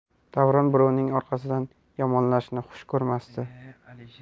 davron birovning orqasidan yomonlashni xush ko'rmasdi